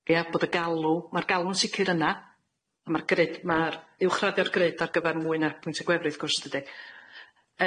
Ia bod y galw ma'r galw'n sicir yna a ma'r grid ma'r uwchraddio'r grid ar gyfar mwy na pwynt y gwefru wrth gwrs dydi?